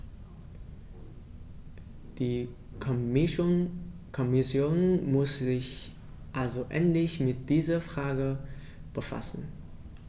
Die Kommission muss sich also endlich mit dieser Frage befassen.